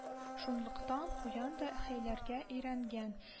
Шунлыктан куян да хәйләргә өйрәнгән